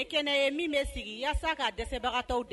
Nin ye kɛnɛ ye min bɛ sigi ka dɛsɛbagatɔw dɛmɛ.